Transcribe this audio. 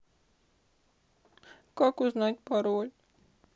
как узнать пароль